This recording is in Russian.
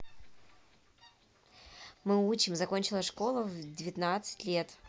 мы учим закончила школу в девятнадцать лет